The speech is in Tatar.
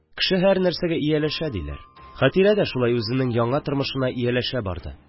Кеше һәрнәрсәгә ияләшә диләр, Хәтирә дә шулай үзенең яңа тормышына ияләшә барды